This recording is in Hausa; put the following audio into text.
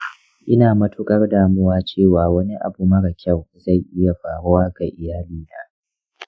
ina matuƙar damuwa cewa wani abu mara kyau zai iya faruwa ga iyalina.